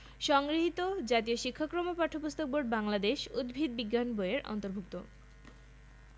সংগৃহীত জাতীয় শিক্ষাক্রম ও পাঠ্যপুস্তক বোর্ড বাংলাদেশ উদ্ভিদ বিজ্ঞান বই এর অন্তর্ভুক্ত